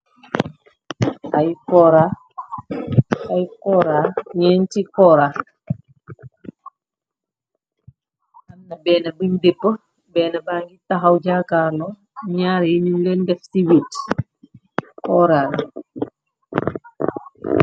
Ay kora ay kora neenti kora bena bing deepa bena bagi taxaw jakarlo naari nyun len def si weet kora la.